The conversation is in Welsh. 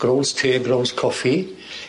Growns te, grouws coffi.